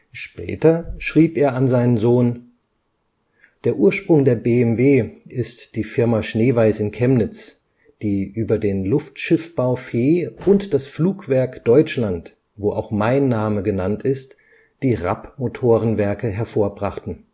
schrieb er an seinen Sohn: „ Der Ursprung der BMW ist die Firma Schneeweis in Chemnitz, die über den Luftschiffbau Veeh und das Flugwerk Deutschland, wo auch mein Name genannt ist, die Rapp-Motorenwerke hervorbrachten